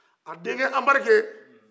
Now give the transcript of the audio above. a denkɛ anbarike